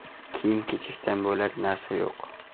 kiyim kechakdan bo'lak narsa yoq